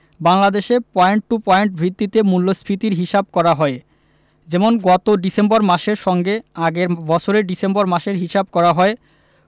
বাংলাদেশে point to point ভিত্তিতে মূল্যস্ফীতির হিসাব করা হয় যেমন গত ডিসেম্বর মাসের সঙ্গে আগের বছরের ডিসেম্বর মাসের হিসাব করা হয়